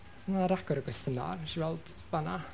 Mae 'na ragor o gwestiynau wnes i weld fan'na.